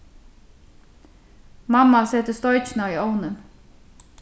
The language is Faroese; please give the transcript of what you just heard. mamma setir steikina í ovnin